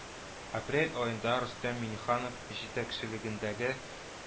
Апрель аенда Рөстәм Миңнеханов җитәкчелегендәге